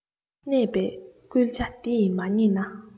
གནས པས བསྐུལ བྱ དེ ཡིས མ རྙེད ན